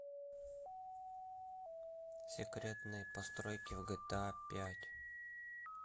секретные постройки в гта пять